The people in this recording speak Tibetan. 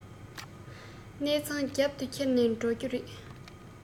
གནས ཚང རྒྱབ ཏུ ཁྱེར ནས འགྲོ རྒྱུ རེད